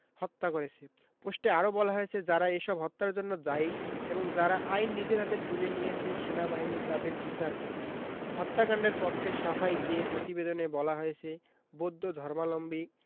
হত্যা করেছে পোস্টে আরো বলা হয় যারা এসব হত্যার জন্য দায়ী এবং যারা আইন নিজের হাতে তুলে নিয়েছে সেনাবাহিনী তাদের বিচার করবে হত্যাকাণ্ডের পক্ষে সাফাই গেয়ে প্রতিবেদনে বলা হয়েছে বৌদ্ধ ধর্মালম্বী